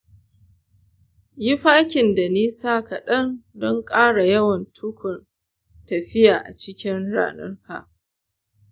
yi fakin da nisa kaɗan don kara yawan takun tafiya a cikin ranarka.